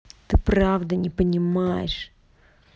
ты правда не понимаешь